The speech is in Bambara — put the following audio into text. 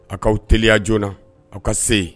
A k'aw teliya joona aw ka se yen